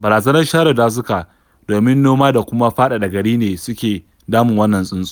Barazanar share dazuka domin noma da kuma faɗaɗa gari ne suke damun tsuntsun.